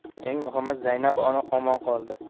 eng muhimi zaynab omon qoldi